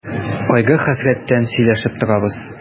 Кайгы-хәсрәттән сөйләшеп торабыз.